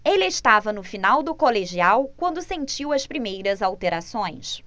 ele estava no final do colegial quando sentiu as primeiras alterações